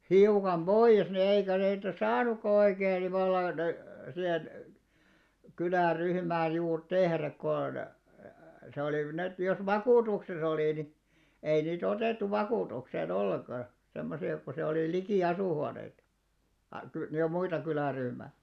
hiukan pois ne eikä niitä saanutkaan oikein niin vallan siihen kyläryhmään juuri tehdä kun se oli niin että jos vakuutuksessa oli niin ei niitä otettu vakuutukseen ollenkaan semmoisia kun se oli liki asuinhuoneita -- niin ja muita kyläryhmiä